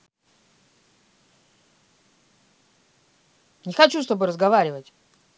не хочу с тобой разговаривать